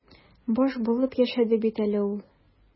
Баш булып яшәде бит әле ул.